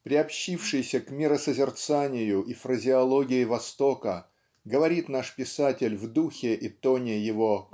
приобщившийся к миросозерцанию и фразеологии Востока говорит наш писатель в духе и тоне его